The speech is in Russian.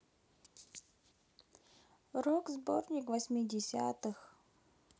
рок сборник восьмидесятых